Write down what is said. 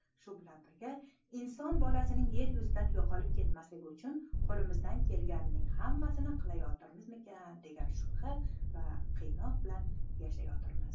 inson bolasining yer yuzidan yo'qolib ketmasligi uchun qo'limizdan kelganining hammasini qilayotirmizmi degan shubha va qiynoq bilan yashayotirmiz